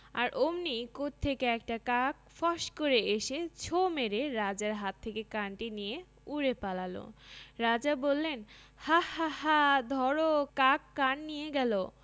আর অমনি কোত্থেকে একটা কাক ফস্ করে এসে ছোঁ মেরে রাজার হাত থেকে কানটি নিয়ে উড়ে পালাল রাজা বললেন হাঁ হাঁ হাঁ ধরো কাক কান নিয়ে গেল